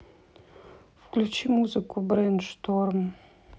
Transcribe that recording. включи музыку брейншторм